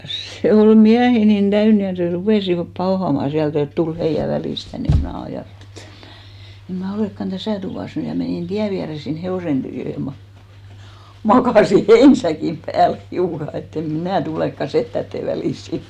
se oli miehiä niin täynnä ja se rupesivat pauhaamaan sieltä että tule heidän väliinsä tänne niin minä ajattelin että en minä en minä olekaan tässä tuvassa nyt ja menin tien viereen sinne hevosen tykö ja - makasin heinäsäkin päällä hiukan että en minä tulekaan setien väliin sinne